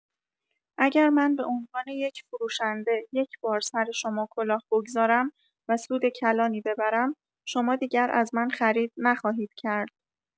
اگر من به عنوان یک فروشنده، یک‌بار سر شما کلاه بگذارم و سود کلانی ببرم شما دیگر از من خرید نخواهید کرد!